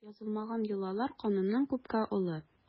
Язылмаган йолалар кануннан күпкә олы.